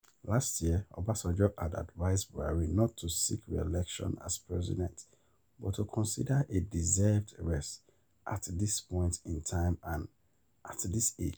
Last year, Obasanjo had advised Buhari not to seek re-election as president but to "consider a deserved rest at this point in time and at this age".